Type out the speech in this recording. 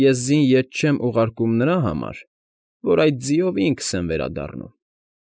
Ես ձին ետ չեմ ուղարկում նրա համար, որ այդ ձիով ինքս եմ վերադառնում։